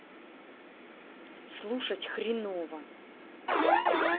слушать хренова